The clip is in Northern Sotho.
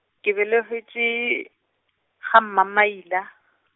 ke belegetšwe, gaMamaila.